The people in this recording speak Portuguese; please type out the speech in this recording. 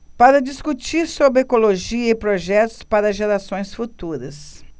para discutir sobre ecologia e projetos para gerações futuras